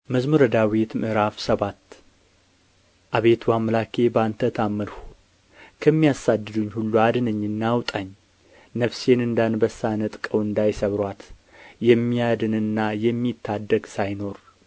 መዝሙር ምዕራፍ ሰባት አቤቱ አምላኬ በአንተ ታመንሁ ከሚያሳድዱኝ ሁሉ አድነኝና አውጣኝ ነፍሴን እንደ አንበሳ ነጥቀው እንዳይሰብሩዋት የሚያድንና የሚታደግ ሳይኖር